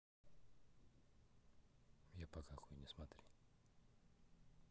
я покакаю не смотри